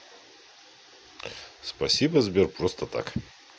спасибо сбер просто так